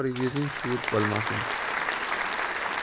yuzing shuvit bo'lmasin